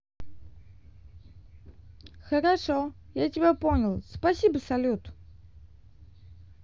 хорошо я тебя понял спасибо салют